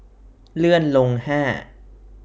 เลื่อนลงห้า